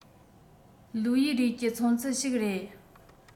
ལིའུ ཡུས རུས ཀྱི མཚོན ཚུལ ཞིག རེད